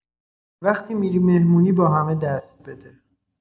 وقتی می‌ری مهمونی با همه دست بده